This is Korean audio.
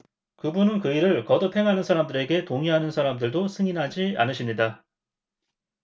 그분은 그 일을 거듭 행하는 사람들에게 동의하는 사람들도 승인하지 않으십니다